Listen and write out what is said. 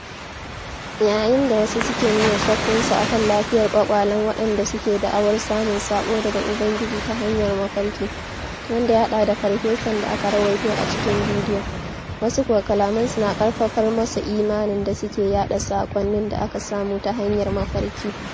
Yayin da wasu suke nuna shakkunsu a kan lafiyar ƙwaƙwalen waɗanda suke da'awar samun saƙo daga Ubangiji ta hanyar mafarki, wanda ya haɗa da Farfesan da aka rawaito a cikin bidiyon, wasu kuwa kalamansu na ƙarfafar masu imanin da suke yaɗa saƙonnin da aka samu ta hanyar mafarki.